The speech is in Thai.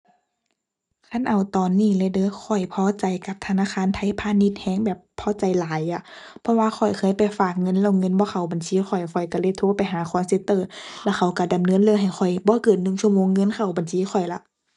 คันเอาตอนนี้เลยเด้อ ข้อยพอใจกับธนาคารไทยพาณิชย์แรง แบบพอใจหลายอะ เพราะว่าข้อยเคยไปฝากเงินแล้วเงินบ่เขาบัญชีข้อย ข้อยแรงเลยโทรไปหา call center แล้วเขาแรงดำเนินเรื่องให้ข้อย บ่เกินหนึ่งชั่วโมงเงินเข้าบัญชีข้อยละ